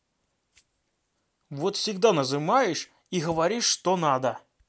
вот всегда нажимаешь и говоришь что надо